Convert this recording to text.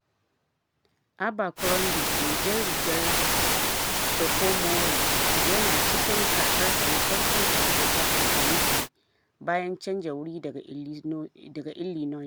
Abercrombie, mai jar rigar sophomore, yana cikin kakar sa na farko tare da Jaha Tennessee bayan canja wuri daga Illinois.